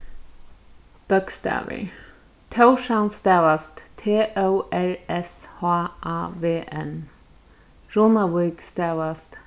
bókstavir tórshavn stavast t ó r s h a v n runavík stavast